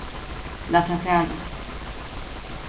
lat tað fara